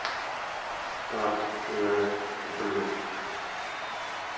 artik и asti блять